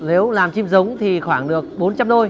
nếu làmchim giống thì khoảng được bốn trăm đôi